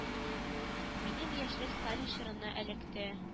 Минем яшьлек сталин чорына эләкте